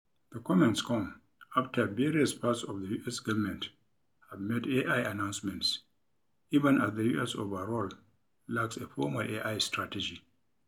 The comments come after various parts of the U.S. government have made AI announcements, even as the U.S. overall lacks a formal AI strategy.